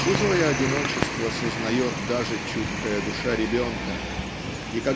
Чужое одиночество сознает даже чуткая душа ребенка и